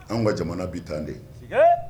Anw ka jamana bi tan de